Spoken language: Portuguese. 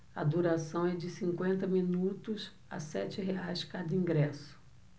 a duração é de cinquenta minutos a sete reais cada ingresso